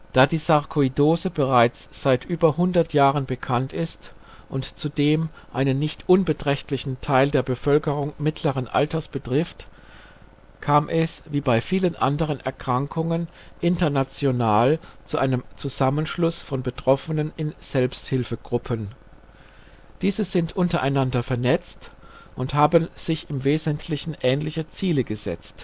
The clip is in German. Da die Sarkoidose bereits seit über 100 Jahren bekannt ist und zudem einen nicht unbeträchtlichen Teil der Bevölkerung mittleren Alters betrifft, kam es wie bei vielen anderen Erkrankungen international zu einem Zusammenschluss von Betroffenen in Selbsthilfegruppen. Diese sind untereinander vernetzt und haben sich im wesentlichen ähnliche Ziele gesetzt